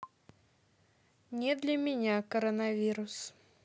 не для меня коронавирус